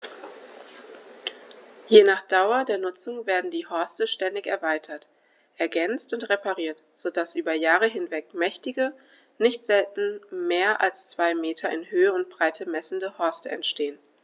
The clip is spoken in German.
Je nach Dauer der Nutzung werden die Horste ständig erweitert, ergänzt und repariert, so dass über Jahre hinweg mächtige, nicht selten mehr als zwei Meter in Höhe und Breite messende Horste entstehen.